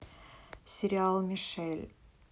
сериал мишель